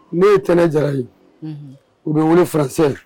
Ne ye Tɛnɛ Jara ye, unhun, u bɛ wele français